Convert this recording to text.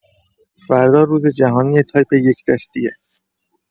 فردا روزجهانی تایپ یک دستیه.